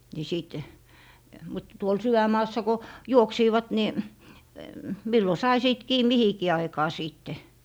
niin sitten mutta tuolla sydänmaassa kun juoksivat niin milloin sai sitten kiinni mihinkin aikaan sitten